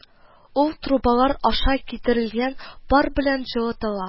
Ул трубалар аша китерелгән пар белән җылытыла